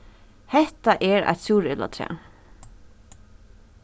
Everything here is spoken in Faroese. hetta er eitt súreplatræ